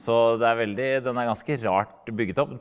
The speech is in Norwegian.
så det er veldig den er ganske rart bygget opp.